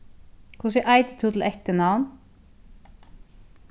hvussu eitur tú til eftirnavn